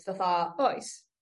fatha... Oes.